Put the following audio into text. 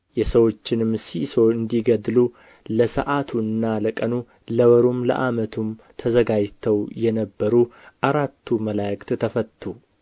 የሰዎችንም ሲሶ እንዲገድሉ ለሰዓቱና ለቀኑ ለወሩም ለዓመቱም ተዘጋጅተው የነበሩ አራቱ መላእክት ተፈቱ